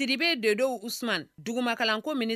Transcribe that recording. Sidibe don dɔw usman duguma kalanko mini